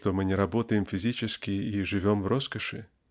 что мы не работаем физически и живем в роскоши?